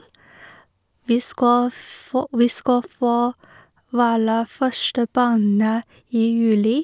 vi skal få Vi skal få våre første barnet i juli.